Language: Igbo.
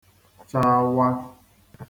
chawa